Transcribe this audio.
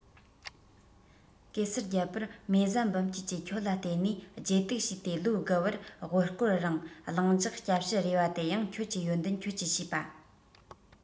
གེ སར རྒྱལ པོར མེ བཟའ འབུམ སྐྱིད ཀྱིས ཁྱོད ལ བརྟེན ནས བརྗེད དུག ཞུས ཏེ ལོ དགུ བར དབུ བསྐོར རིང གླིང འཇག སྐྱ ཕྱུ རེ བ དེ ཡང ཁྱོད ཀྱི ཡོན ཏན ཁྱོད ཀྱི བྱས པ